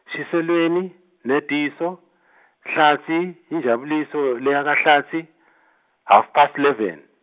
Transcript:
Shiselweni, Nediso , Hlatsi yiNjabuliso leya kaHlatsi , half past eleven.